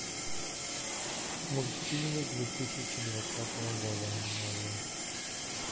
мультфильмы две тысячи двадцатого года новые